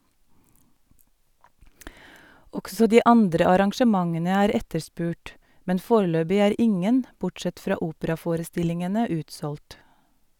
Også de andre arrangementene er etterspurt, men foreløpig er ingen bortsett fra operaforestillingene utsolgt.